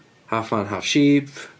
Half man, half sheep.